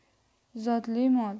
zotli mol